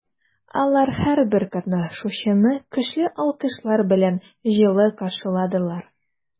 Алар һәрбер катнашучыны көчле алкышлар белән җылы каршыладылар.